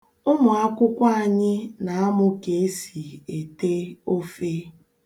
Ụmụakwụkwọ anyị na-amụ ka esi ete ofe.